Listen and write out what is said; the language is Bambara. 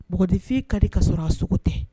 Mɔgɔninfin ka di ka sɔrɔ a sugu tɛ